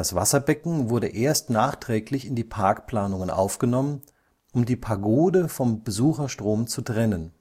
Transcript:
Wasserbecken wurde erst nachträglich in die Parkplanungen aufgenommen, um die Pagode vom Besucherstrom zu trennen